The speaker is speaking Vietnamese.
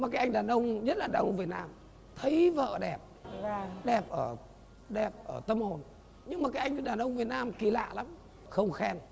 mà cái anh đàn ông nhất là đàn ông việt nam thấy vợ đẹp đẹp ở đẹp ở tâm hồn nhưng mà cái anh đàn ông việt nam kỳ lạ lắm không khen